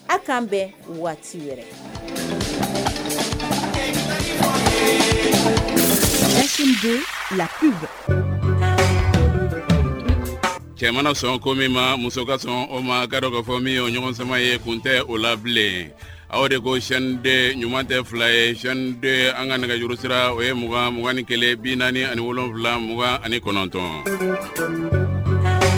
Aw kan bɛn waati yɛrɛ cɛman sɔn ko min ma muso ka sɔn o ma garɔ fɔ min o ɲɔgɔnsan ye kun tɛ o la bilen o de ko s de ɲuman tɛ fila yeyɛn an ka nɛgɛ yɔrɔsira o ye 2 2ugan ni kelen bi naani niwula 2ugan ani kɔnɔntɔn